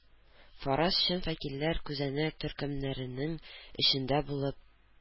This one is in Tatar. Фараз - чын вәкилләр күзәнәк төркемнәренең эчендә булып...